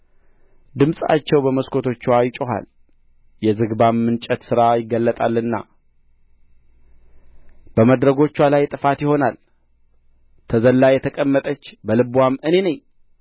ድምፃቸው በመስኮቶችዋ ይጮኻል የዝግባም እንጨት ሥራ ይገለጣልና በመድረኮችዋ ላይ ጥፋት ይሆናል ተዘልላ የተቀመጠች በልብዋም እኔ ነኝ